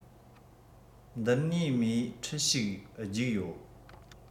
མདུན ནས མས ཁྲིད ཞིག རྒྱུགས ཡོད